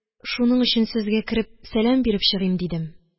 Шуның өчен сезгә кереп сәлам биреп чыгыйм дидем..